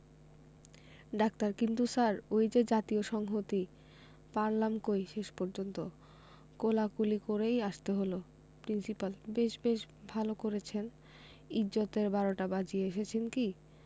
doctor কিন্তু sir ওই যে জাতীয় সংহতি পারলাম কই শেষ পর্যন্ত কোলাকুলি করেই আসতে হলো প্রিন্সিপাল বেশ বেশ ভালো করেছেন ইজ্জতের বারোটা বাজিয়ে এসেছেন কি